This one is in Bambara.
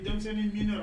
Denmisɛnw ni minyara